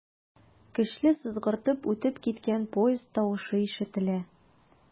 Көчле сызгыртып үтеп киткән поезд тавышы ишетелә.